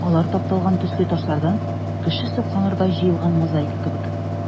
Алар тапталган төсле ташлардан кеше сокланырдай җыелган мозаика кебек.